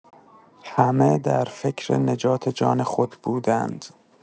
همه در فکر نجات جان خود بودند.